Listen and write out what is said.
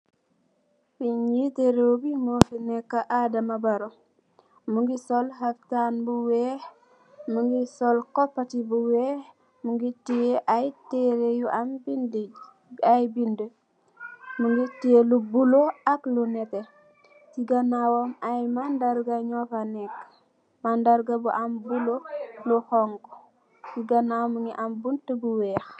Fii njiiti rewmi mofi neka adama barrow, mungy sol khaftan bu wekh, mungy sol copoti bu wekh, mungy tiyeh aiiy tehreh yu am bindue, aiiy bindue, mungy tiyeh lu bleu ak lu nehteh, cii ganawam aiiy mandarr gah njur fa neka, mandarr gah bu am lu bleu, lu honhu, cii ganaw mungy am buntu bu wekh.